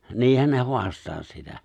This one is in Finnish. niinhän ne haastaa sitä